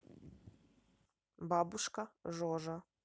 бабушка жожа